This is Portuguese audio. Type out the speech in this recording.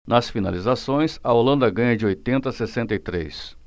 nas finalizações a holanda ganha de oitenta a sessenta e três